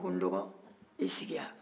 a ko n dɔgɔ i sigi yan